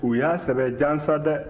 u y'a sɛbɛ jansa dɛ